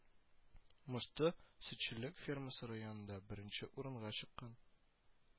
Мошты сөтчелек фермасы районда беренче урынга чыккан